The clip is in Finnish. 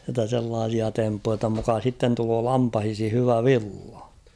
jotta sellaisia temppuja jotta muka sitten tulee lampaisiin hyvä villa